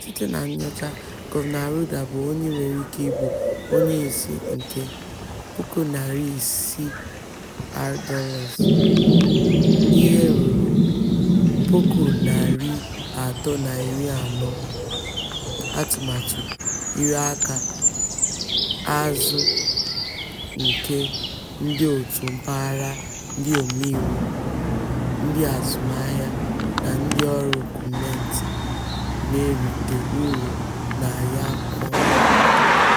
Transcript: Site na nnyocha, Governor Arruda bụ onye nwere ike ị bụ onyeisi nke R$ 600,000 (ihe ruru $340,000) atụmatụ iri aka azụ nke ndị òtù mpaghara ndị omeiwu, ndị azụmahịa na ndịọrụ gọọmentị na-erite uru na ya kwa ọnwa.